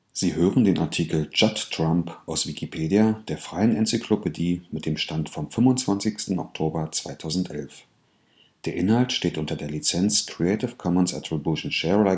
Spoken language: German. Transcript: Sie hören den Artikel Judd Trump, aus Wikipedia, der freien Enzyklopädie. Mit dem Stand vom Der Inhalt steht unter der Lizenz Creative Commons Attribution Share